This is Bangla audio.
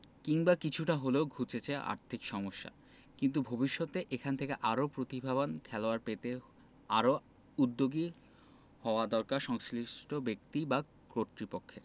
কিংবা কিছুটা হলেও ঘুচেছে আর্থিক সমস্যা কিন্তু ভবিষ্যতে এখান থেকে আরও প্রতিভাবান খেলোয়াড় পেতে আরও উদ্যোগী হওয়া দরকার সংশ্লিষ্ট ব্যক্তি বা কর্তৃপক্ষের